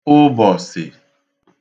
ụbọ̀sị̀